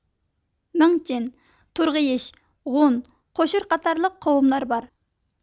مىڭچىن تۇرغىيىش غۇن قوشۇر قاتارلىق قوۋملار بار